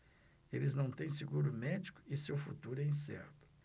eles não têm seguro médico e seu futuro é incerto